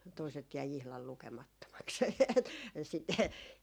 toiset jäi ihan lukemattomaksi - että sitten